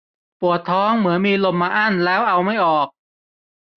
ปวดท้องเหมือนมีลมมาอั้นแล้วเอาไม่ออก